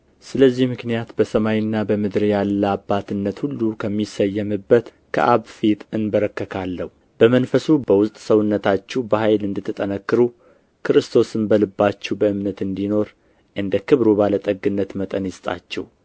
ስለዚህ ምክንያት በሰማይና በምድር ያለ አባትነት ሁሉ ከሚሰየምበት ከአብ ፊት እንበረከካለሁ በመንፈሱ በውስጥ ሰውነታችሁ በኃይል እንድትጠነክሩ ክርስቶስም በልባችሁ በእምነት እንዲኖር እንደ ክብሩ ባለ ጠግነት መጠን ይስጣችሁ